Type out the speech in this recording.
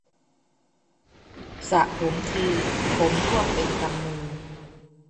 สระผมทีผมร่วงเป็นกำมือ